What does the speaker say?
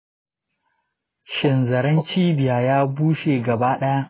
shin zaren cibiya ya bushe gaba ɗaya?